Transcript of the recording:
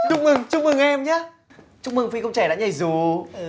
chúc mừng chúc mừng em nhá chúc mừng phi công trẻ đã nhảy dù